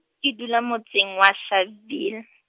ke dula motseng wa Sharpeville.